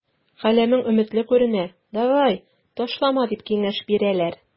Каләмең өметле күренә, давай, ташлама, дип киңәш бирәләр.